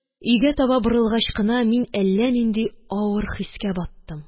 Өйгә таба борылгач кына, мин әллә нинди авыр бер хискә баттым.